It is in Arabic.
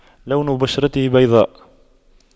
لون بشرته بيضاء